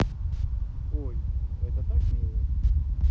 ой это так мила